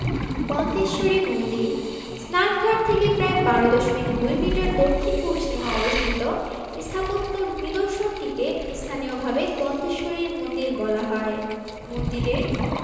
গন্ধেশ্বরী মন্দির স্নানঘাট থেকে প্রায় ১২ দশমিক ২ মিটার দক্ষিণ পশ্চিমে অবস্থিত স্থাপত্য নিদর্শনটিকে স্থানীয়ভাবে গন্ধেশ্বরীর মন্দির বলা হয় মন্দিরের